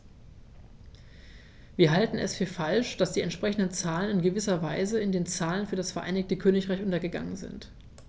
Wir halten es für falsch, dass die entsprechenden Zahlen in gewisser Weise in den Zahlen für das Vereinigte Königreich untergegangen sind.